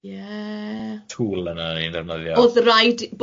Ie... Twl yna o'n i ddefnyddio